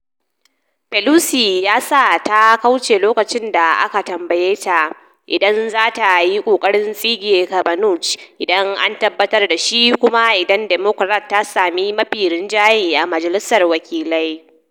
Pelosi ya ta kauce lokacin da aka tambaye ta idan za ta yi kokarin tsige Kavanaugh idan an tabbatar da shi, kuma idan Democrat ta sami mafi rinjaye a majalisar wakilai.